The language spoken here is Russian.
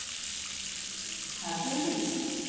отвяжись